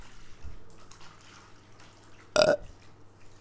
я музыка